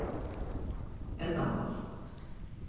endamál